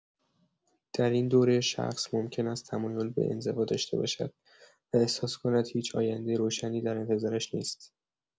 در این دوره شخص ممکن است تمایل به انزوا داشته باشد و احساس کند هیچ آینده روشنی در انتظارش نیست.